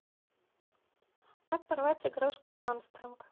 как порвать игрушку армстронг